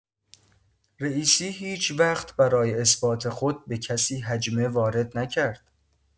رئیسی هیچوقت برای اثبات خود به کسی هجمه وارد نکرد.